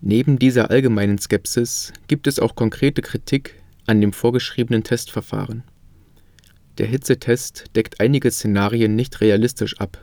Neben dieser allgemeinen Skepsis gibt es auch konkrete Kritik an dem vorgeschriebenen Testverfahren. Der Hitzetest deckt einige Szenarien nicht realistisch ab,